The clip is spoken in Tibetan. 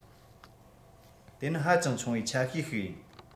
དེ ནི ཧ ཅང ཆུང བའི ཆ ཤས ཤིག ཡིན